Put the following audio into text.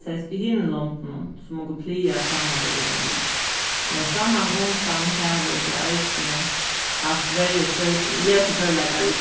sæst í hinum londunum sum okur plaga at samanbera okum við men frammanundan hava okur eisini havt verri lesiførleikar í